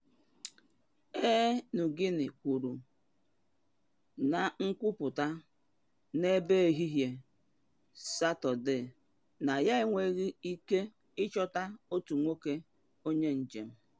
Air Niugini kwuru na nkwupute n’ebe ehihie Satọde, na ya enwenwughi ike ịchọta otu nwoke onye njem.